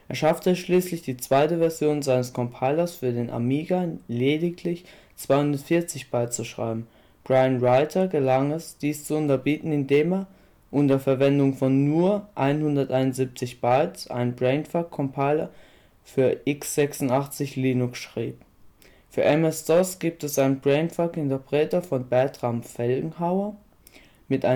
schaffte es schließlich, die zweite Version seines Compilers für den Amiga in lediglich 240 Byte zu schreiben. Brian Raiter gelang es, dies zu unterbieten, indem er – unter Verwendung von nur 171 Bytes – einen Brainfuck-Compiler für x86 Linux schrieb. Für MS-DOS gibt es einen Brainfuck-Interpreter von Bertram Felgenhauer mit